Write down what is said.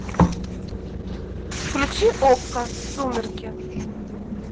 включи окко сумерки